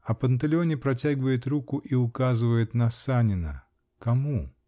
А Панталеоне протягивает руку и указывает на Санина -- кому?